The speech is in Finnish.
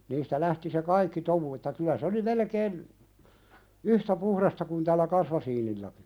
niistä lähti se kaikki tomu että kyllä se oli melkein yhtä puhdasta kuin tällä kasmasiinillakin